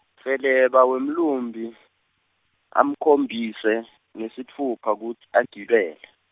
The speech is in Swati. Feleba wemlumbi, amkhombise, ngesitfupha kutsi agibele.